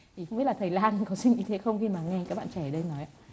thì không biết là thầy lang có suy nghĩ như thế không khi mà nghe các bạn trẻ ở đây nói ạ